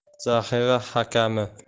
zaxira hakami